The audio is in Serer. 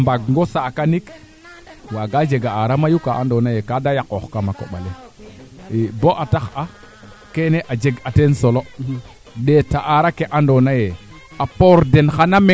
liim le naanga te maya roog fe ngap semaine ndik a liima mbat semaine sax rek a deyta ga'ka tiro liim a fiya ngaan a jega duufe mayu la ando naye o ndaga ngaan na lima leene